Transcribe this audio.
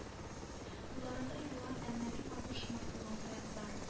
Кулларында юан әмма бик матур шомартылган таяклар